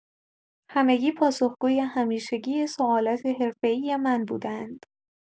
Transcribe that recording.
همگی پاسخگوی همیشگی سوالات حرفه‌ای من بوده‌اند.